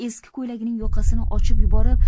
eski ko'ylagining yoqasini ochib yuborib